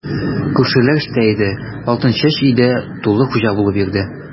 Күршеләр эштә иде, Алтынчәч өйдә тулы хуҗа булып йөрде.